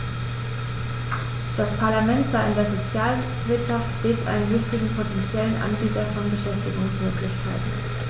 Das Parlament sah in der Sozialwirtschaft stets einen wichtigen potentiellen Anbieter von Beschäftigungsmöglichkeiten.